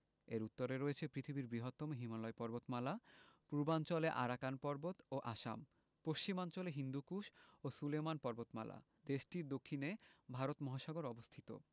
এর উত্তরে রয়েছে পৃথিবীর বৃহত্তম হিমালয় পর্বতমালা পূর্বাঞ্চলে আরাকান পর্বত ও আসামপশ্চিমাঞ্চলে হিন্দুকুশ ও সুলেমান পর্বতমালা দেশটির দক্ষিণে ভারত মহাসাগর অবস্থিত